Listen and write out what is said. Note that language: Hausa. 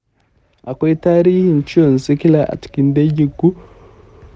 akwai tarihin ciwon sikila a cikin danginku?